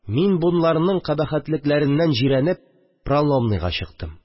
Мин, боларның кабахәтлекләреннән җирәнеп, Проломныйга чыктым